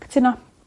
Cytuno.